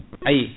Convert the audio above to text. ayii